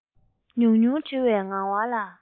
ཉུང ཉུང འབྲི བའི ངལ བ